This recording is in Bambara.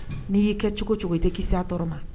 N'i y'i kɛ cogo cogo i tɛ kisi tɔɔrɔ ma